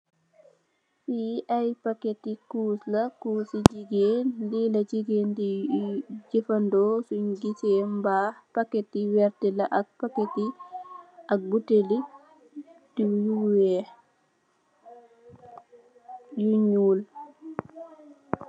Lii ay pakketi kuus la, kuusi jigéen, lii la jigéen i di jëfëndoo, suñ gisee mbaxa, pakketi werta ak butel yi weex, diw yu yu ñuul.